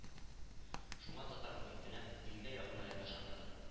Шуңа татар мохитенә, дингә якынаерга чакырды